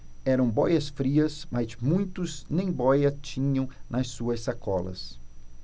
eram bóias-frias mas muitos nem bóia tinham nas suas sacolas